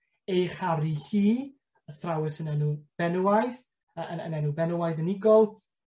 ei charu hi, athrawes yn enw benywaidd yy yn yn enw benywaidd unigol